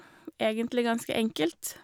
Egentlig ganske enkelt.